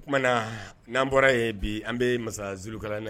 O kumana na n'an bɔra yen bi an bɛ masaurukala na